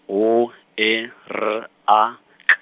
O E R A K.